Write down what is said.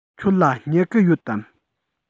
ཁྱོད ལ སྨྱུ གུ ཡོད དམ